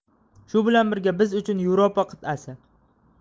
shu bilan birga biz uchun yevropa qit'asi